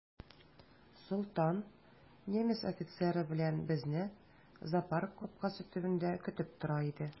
Солтан немец офицеры белән безне зоопарк капкасы төбендә көтеп тора иде.